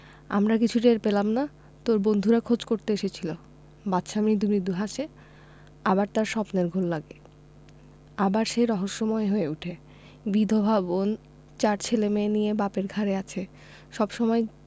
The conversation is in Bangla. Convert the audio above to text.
আমরা কিচ্ছু টের পেলাম না তোর বন্ধুরা খোঁজ করতে এসেছিলো বাদশা মৃদু মৃদু হাসে আবার তার স্বপ্নের ঘোর লাগে আবার সে রহস্যময় হয়ে উঠে বিধবা বোন চার ছেলেমেয়ে নিয়ে বাপের ঘাড়ে আছে সব সময়